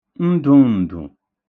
nḋụ̄ǹḋụ̀